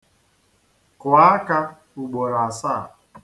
Kụọ aka ugboro asaa.